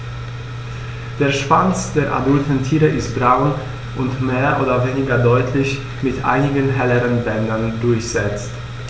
Der Schwanz der adulten Tiere ist braun und mehr oder weniger deutlich mit einigen helleren Bändern durchsetzt.